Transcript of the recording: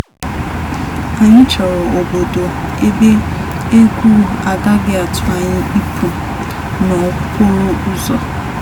Anyị chọrọ obodo ebe égwù agaghị atụ anyị ịpụ n'okporo ụzọ!